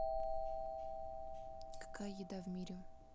какая еда в мире